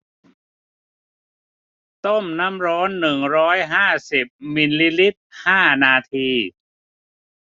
ต้มน้ำร้อนหนึ่งร้อยห้าสิบมิลลิลิตรห้านาที